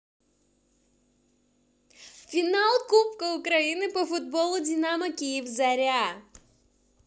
финал кубка украины по футболу динамо киев заря